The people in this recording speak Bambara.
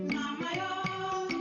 ,